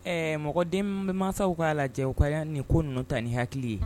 Ɛ mɔgɔden bɛ masaw k'a lajɛ kaya nin ko ninnu ta ni hakili ye